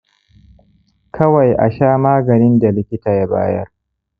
kawai a sha maganin da likita ya bayar